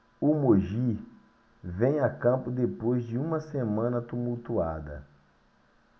o mogi vem a campo depois de uma semana tumultuada